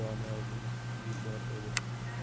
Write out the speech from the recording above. doniyorning kuyi bor edi